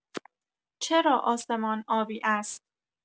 چرا آسمان آبی است؟